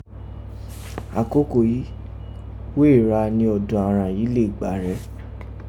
akoko yìí wéè gha ni ọ̀dọ̀ àghan yìí lè gba rẹ́ rèé.